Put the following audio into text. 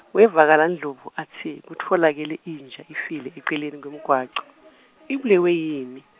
wevakala Ndlovu atsi, kutfolakele inja ifile eceleni kwemgwaco, ibulewe yini?